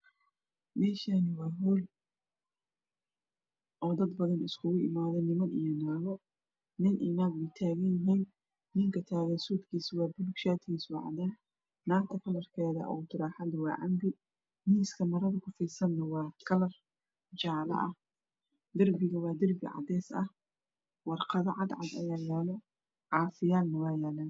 Meeshaani waa hool oo dad badan isku imaadeen niman iyo naago nin iyo naag way taagan yihiin ninka taagan suudkiisa waa buluug shaatigiisa cadaan naagta kalarkeeda oo turuxada waa canbo miiska marada saran waa kalar jaale ah darbiga waa darbi cadays ah waraaqad cad cad ayaa yaalo caafiyaalna way yaalan